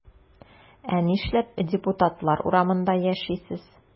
Ә нишләп депутатлар урамында яшисез?